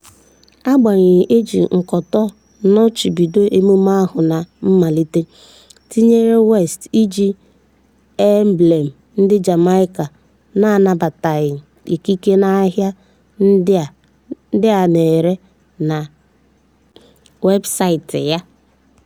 Agbaghenyị, e ji nkọtọ nọchibido emume ahụ na mmalite, tinyere West iji emblem ndị Jaimaca na-anataghị ikike n'ahịa ndị a na-ere na weebusaịtị ya.